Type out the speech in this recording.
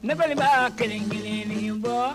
Ne Bali b'a kelen-kelenni fɔɔ